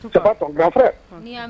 Saba gafɛ